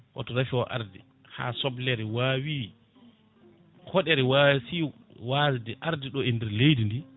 oto raafi o arde ha soblere wawi hoɗere wasi walde arde ɗo e nder leydi ndi